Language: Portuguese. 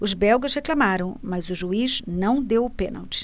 os belgas reclamaram mas o juiz não deu o pênalti